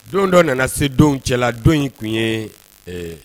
Don dɔ nana se don cɛla la don in tun ye